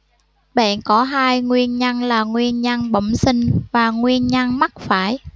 bệnh có hai nguyên nhân là nguyên nhân bẩm sinh và nguyên nhân mắc phải